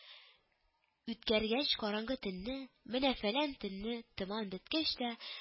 Үткәргәч караңгы төнне, менә фәлән көнне, томан беткәч тә